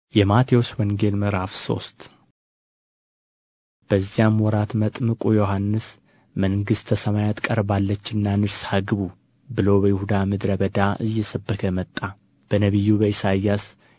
﻿የማቴዎስ ወንጌል ምዕራፍ ሶስት በዚያም ወራት መጥምቁ ዮሐንስ መንግሥተ ሰማያት ቀርባለችና ንስሐ ግቡ ብሎ በይሁዳ ምድረ በዳ እየሰበከ መጣ በነቢዩ በኢሳይያስ